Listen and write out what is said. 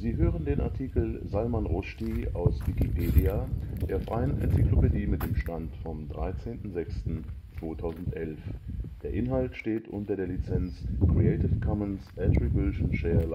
hören den Artikel Salman Rushdie, aus Wikipedia, der freien Enzyklopädie. Mit dem Stand vom Der Inhalt steht unter der Lizenz Creative Commons Attribution Share